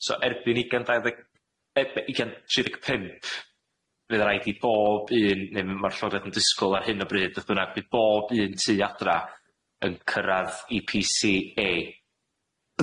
So erbyn ugen dau ddeg- e- be- ugen tri deg pump, fydd o raid i bob un ne' ma'r Llywodraeth yn disgwl ar hyn o bryd doth bynnag by' bob un tŷ adra yn cyrradd E Pee See Ay.